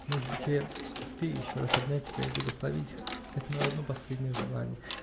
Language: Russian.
Может быть, я успею еще раз обнять тебя и благословить их: это мое одно последнее желание.